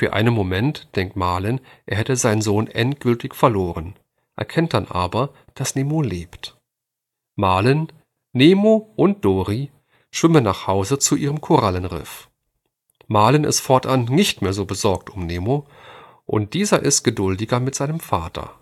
einen Moment denkt Marlin, er hätte seinen Sohn endgültig verloren, erkennt dann aber, dass Nemo lebt. Marlin, Nemo und Dorie schwimmen nach Hause zu ihrem Korallenriff. Marlin ist fortan nicht mehr so besorgt um Nemo, und dieser ist geduldiger mit seinem Vater